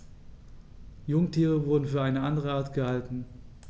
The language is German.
Jungtiere wurden für eine andere Art gehalten.